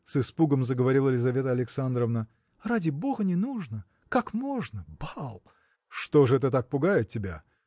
– с испугом заговорила Лизавета Александровна, – ради бога, не нужно! Как можно. бал! – Что ж это так пугает тебя?